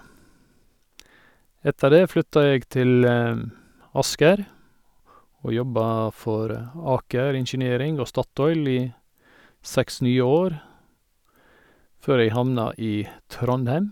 Etter det flytta jeg til Asker, og jobba for Aker Engineering og Statoil i seks nye år, før jeg havna i Trondheim.